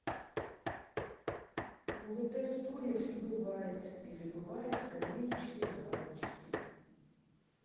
ovt стульев не бывает или бывает скамеечки лавочки